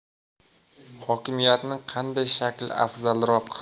hokimiyatning qanday shakli afzalroq